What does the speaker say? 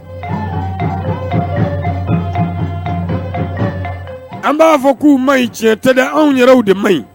An b'a fɔ k'u ma ɲi in tiɲɛ tɛ anw yɛrɛw de ma ɲi